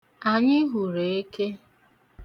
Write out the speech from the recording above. Anyị hụrụ eke.